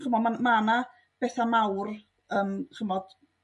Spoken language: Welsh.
ch'mo ma' 'na betha' mawr yym ch'mod